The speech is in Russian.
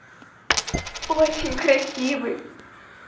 очень красивый